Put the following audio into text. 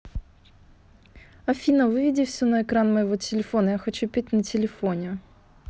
афина выведи все на экран моего телефона я хочу петь на телефоне